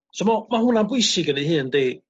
So mo ma' hwnna'n bwysig yn ei hun 'di?